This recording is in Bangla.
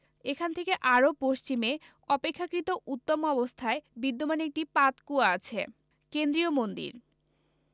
এখান থেকে আরও পশ্চিমে অপেক্ষাকৃত উত্তম অবস্থায় বিদ্যমান একটি পাতকুয়া আছে কেন্দ্রীয় মন্দির